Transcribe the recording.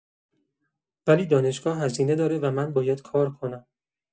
ولی دانشگاه هزینه داره و من باید کار کنم.